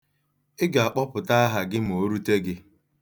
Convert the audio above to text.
Ị ga-akpọpụta aha gị ma o rute gị.